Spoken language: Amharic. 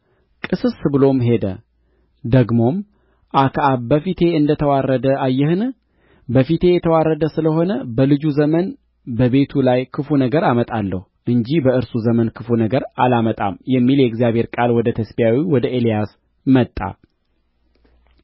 ቅስስ ብሎም ሄደ ደግሞም አክዓብ በፊቴ እንደ ተዋረደ አየህን በፊቴ የተዋረደ ስለ ሆነ በልጁ ዘመን በቤቱ ላይ ክፉ ነገር አመጣለሁ እንጂ በእርሱ ዘመን ክፉ ነገር አላመጣም የሚል የእግዚአብሔር ቃል ወደ ቴስብያዊው ወደ ኤልያስ መጣ